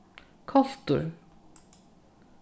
koltur